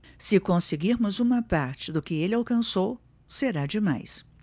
se conseguirmos uma parte do que ele alcançou será demais